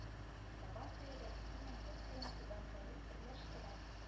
Сабан туе россиянең күп кенә төбәкләрен берләштерә